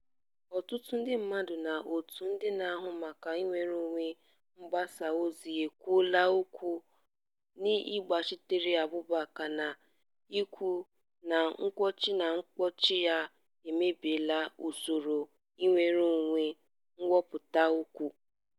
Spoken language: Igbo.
Ọtụtụ ndị mmadụ na òtù ndị na-ahụ maka nnwereonwe mgbasaozi ekwuola okwu n'ịgbachitere Abubacar, na-ekwu na nwụchi na mkpọchi ya emebiela usoro nnwereonwe nkwupụta okwu.